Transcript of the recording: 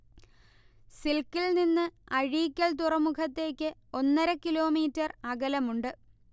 സിൽക്കിൽനിന്ന് അഴീക്കൽ തുറമുഖത്തേക്ക് ഒന്നര കിലോമീറ്റർ അകലമുണ്ട്